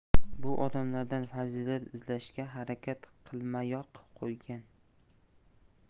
bu odamlardan fazilat izlashga harakat qilmayoq qo'ygan